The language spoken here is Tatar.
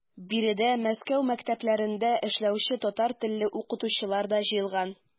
Биредә Мәскәү мәктәпләрендә эшләүче татар телле укытучылар да җыелган.